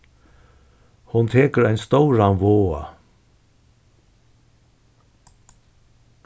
hon tekur ein stóran váða